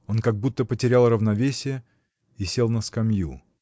Он как будто потерял равновесие и сел на скамью.